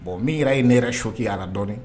Bon minra ye ne yɛrɛ soki ala la dɔn